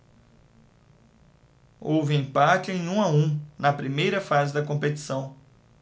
houve empate em um a um na primeira fase da competição